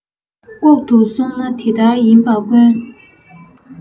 ལྐོག ཏུ སོང ན དེ ལྟར ཡིན པ དཀོན